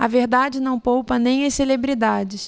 a verdade não poupa nem as celebridades